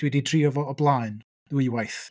Dwi 'di trio fo o blaen ddwywaith.